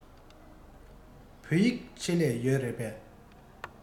བོད ཡིག ཆེད ལས ཡོད རེད པས